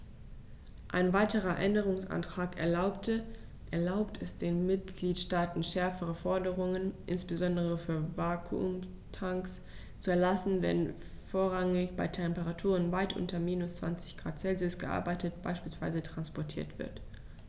Ein weiterer Änderungsantrag erlaubt es den Mitgliedstaaten, schärfere Forderungen, insbesondere für Vakuumtanks, zu erlassen, wenn vorrangig bei Temperaturen weit unter minus 20º C gearbeitet bzw. transportiert wird.